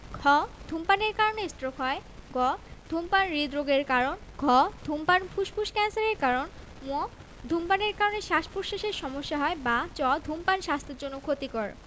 খ ধূমপানের কারণে ষ্ট্রোক হয় গ ধূমপান হৃদরোগের কারণ ঘ ধূমপান ফুসফুস ক্যান্সারের কারণ ঙ ধূমপানের কারণে শ্বাসপ্রশ্বাসের সমস্যা হয় বা চ ধূমপান স্বাস্থ্যের জন্য ক্ষতিকর